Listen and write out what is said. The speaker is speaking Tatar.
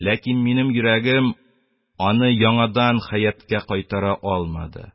Ләкин минем йөрәгем аны яңадан хәятка кайтара алмады.